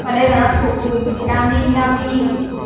mà đây là nó thuộc vùng sờ can đi na vi